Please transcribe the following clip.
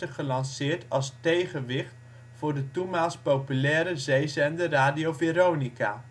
gelanceerd als tegenwicht voor de toenmaals populaire zeezender Radio Veronica